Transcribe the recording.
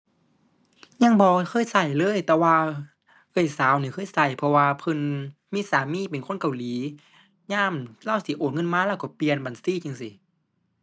ยังบ่เคยใช้เลย แต่ว่าเอื้อยสาวนี่เคยใช้ เพราะว่าเพิ่นมีสามีเป็นคนเกาหลี ยามเลาสิโอนเงินมาเลาใช้เปลี่ยนบัญชีจั่งซี้